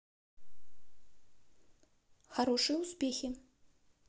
хорошие успехи